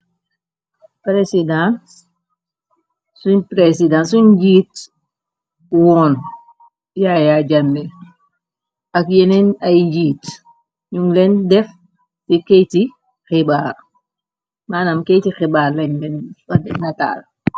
president suñ njiit woon yaaya jambe ak yeneen ay njiit ñu leen def ci keyti xibar manam keyti xibaar lañfnataal